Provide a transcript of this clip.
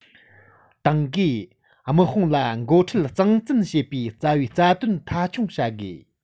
ཏང གིས དམག དཔུང ལ འགོ ཁྲིད གཙང བཙན བྱེད པའི རྩ བའི རྩ དོན མཐའ འཁྱོངས བྱ དགོས